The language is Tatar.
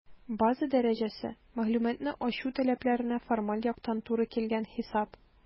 «база дәрәҗәсе» - мәгълүматны ачу таләпләренә формаль яктан туры килгән хисап.